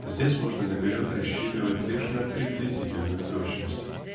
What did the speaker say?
здесь можно наперед рассчитывать лишь на приблизительную точность.